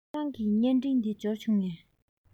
ཁྱེད རང གི བརྙན འཕྲིན དེ འབྱོར བྱུང ངས